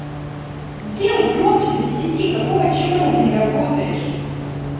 сделай громче до десяти какого черно ты не работаешь